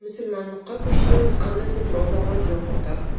Мөселманлыкка күчүен Анна Петрова гади аңлата.